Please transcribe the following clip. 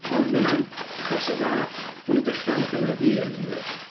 Ond ma' hynna'n... achos fatha maen nhw'n dechrau'n cymeryd un, yndi.